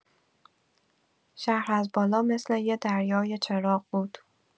شهر از بالا مثل یه دریای چراغ بود.